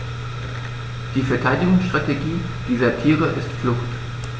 Die Verteidigungsstrategie dieser Tiere ist Flucht.